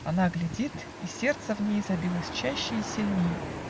Она глядит - и сердце в ней Забилось чаще и сильней.